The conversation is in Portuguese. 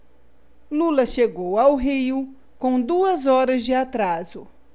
lula chegou ao rio com duas horas de atraso